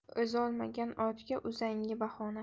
o'zolmagan otga uzangi bahona